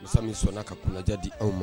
Masa min sɔnna ka kunandiya di aw ma